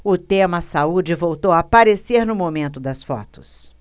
o tema saúde voltou a aparecer no momento das fotos